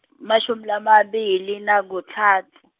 mashumi lamabili nakutsatfu.